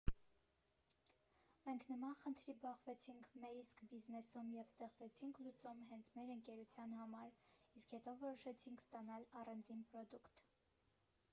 Մենք նման խնդրի բախվեցինք մեր իսկ բիզնեսում և ստեղծեցինք լուծում հենց մեր ընկերության համար, իսկ հետո որոշեցինք ստանալ առանձին պրոդուկտ։